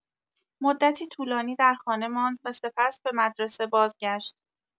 مدتی طولانی در خانه ماند و سپس به مدرسه بازگشت.